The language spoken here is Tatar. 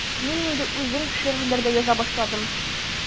Мин инде үзем шигырьләр дә яза башладым.